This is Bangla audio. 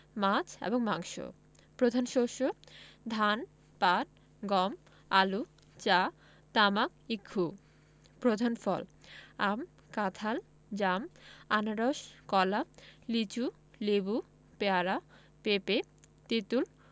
মাছ এবং মাংস প্রধান শস্যঃ ধান পাট গম আলু চা তামাক ইক্ষু প্রধান ফলঃ আম কাঁঠাল জাম আনারস কলা লিচু লেবু পেয়ারা পেঁপে তেঁতুল